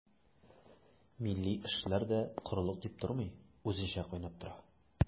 Милли эшләр дә корылык дип тормый, үзенчә кайнап тора.